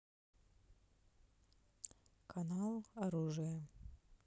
канал оружие